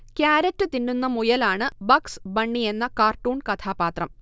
carrot തിന്നുന്ന മുയലാണ് Bugs ബണ്ണിയെന്ന കാർട്ടൂൺ കഥാപാത്രാം